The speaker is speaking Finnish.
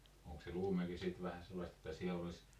onkos se Luumäki sitten vähän sellaista että siellä olisi